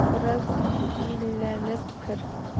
Бар, бераз җилләнеп кер.